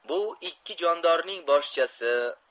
bu ikki jondorning boshchisi